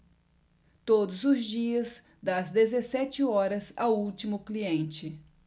todos os dias das dezessete horas ao último cliente